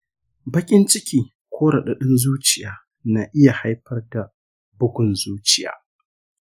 baƙin ciki ko raɗaɗin zuciya na iya haifar da bugun zuciya?